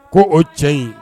Ko o cɛ ɲi